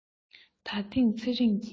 ད ཐེངས ཚེ རིང གིས